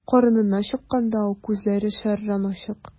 Карыныннан чыкканда ук күзләр шәрран ачык.